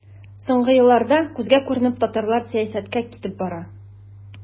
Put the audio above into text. Соңгы елларда күзгә күренеп татарлар сәясәткә кереп бара.